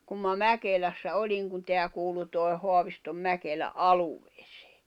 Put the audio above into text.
kun minä Mäkelässä olin kun tämä kuuluu tuon Haaviston Mäkelän alueeseen